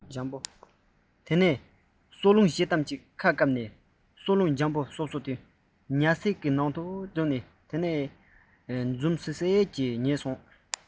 གསོ རླུང གི ཤེལ དམ གྱི ཁ བཀབ གསོ རླུང འཇམ པོ སོབ སོབ མལ ས སྟབས བདེ དེའི ནང དུ འཛུལ སོང བ ཡིན